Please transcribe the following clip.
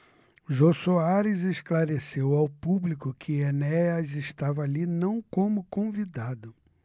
jô soares esclareceu ao público que enéas estava ali não como convidado